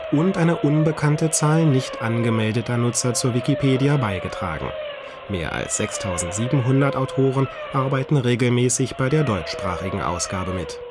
und eine unbekannte Zahl nicht angemeldeter Nutzer zur Wikipedia beigetragen. Mehr als 6700 Autoren (Stand: 31. Oktober 2009) arbeiten regelmäßig bei der deutschsprachigen Ausgabe mit